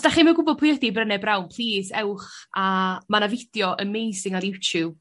os dach chi'm yn gwbod pwy ydi' Brené Brown plîs ewch a ma' 'na fideo amazing ar YouTube